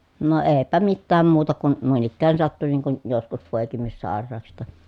no eipä mitään muuta kuin noin ikään sattui niin kuin joskus poikimissairauksista